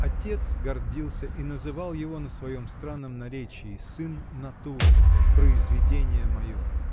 Отец гордился им и называл его на своем странном наречии: сын натуры, произведение мое.